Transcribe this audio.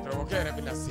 Karamɔgɔkɛ yɛrɛ bena se